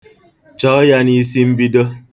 Chọọ ya n'isimbido.